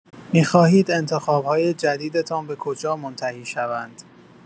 می‌خواهید انتخاب‌های جدیدتان به کجا منتهی شوند؟